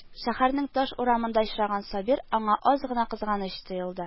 Шәһәрнең таш урамында очраган Сабир аңа аз гына кызганыч тоелды